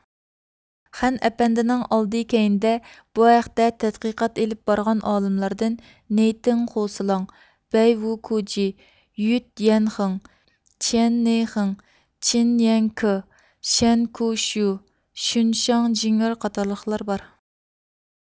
خەن ئەپەندىنىڭ ئالدى كەينىدە بۇ ھەقتە تەتقىقات ئېلىپ بارغان ئالىملاردىن نېيتىڭ خۇسىلاڭ بەيۋۇكۇجى يۈتيەنخېڭ جيەننېيخېڭ چېنيەنكې شەنكۇشيۇ سۇنشاڭ جېڭئېر قاتارلىقلار بار